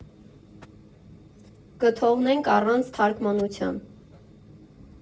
Կթողնենք առանց թարգմանության։